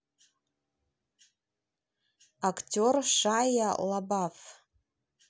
актер шайа лабаф